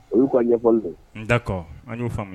Olu y'u' ɲɛwale n da kɔ an y'uo faamuya